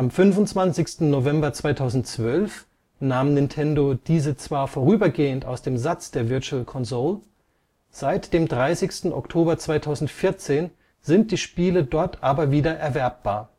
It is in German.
25. November 2012 nahm Nintendo diese zwar vorübergehend aus dem Satz der Virtual Console, seit 30. Oktober 2014 sind die Spiele dort aber wieder erwerbbar